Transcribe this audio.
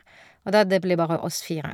Og da det blir bare oss fire.